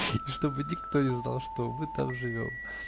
и чтобы никто не знал, что мы там живем".